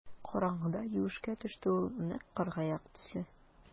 Караңгыда юешкә төште ул нәкъ кыргаяк төсле.